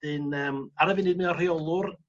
Wedyn yym ar y funud mae o rheolwr...